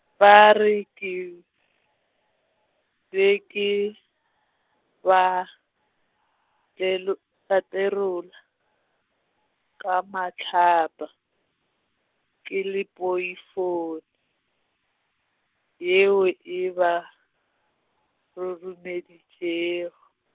ba re ke, be ke, ba, tlero-, ba tlerola, ka mahlapa, ke le poifong, yeo e ba, roromedišitšego.